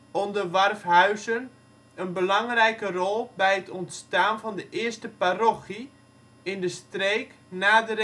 onder Warfhuizen een belangrijke rol bij het ontstaan van de eerste parochie in de streek na de